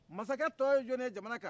masakɛ tɔ ye jɔnni ye jamana kan